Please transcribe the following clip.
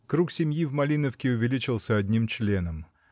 Круг семьи в Малиновке увеличился одним членом.